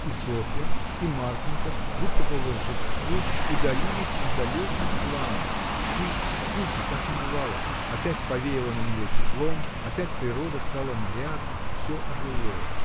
И Софья, и Марфинька, будто по волшебству, удалились на далекий план, и скуки как не бывало: опять повеяло на него теплом, опять природа стала нарядна, всё ожило.